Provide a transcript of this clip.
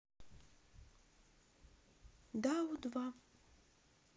дау два